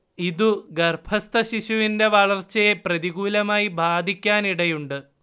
ഇതു ഗർഭസ്ഥശിശുവിന്റെ വളർച്ചയെ പ്രതികൂലമായി ബാധിക്കാനിടയുണ്ട്